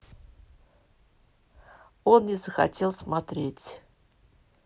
он не захотел смотреть